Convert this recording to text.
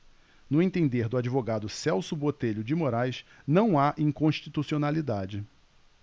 no entender do advogado celso botelho de moraes não há inconstitucionalidade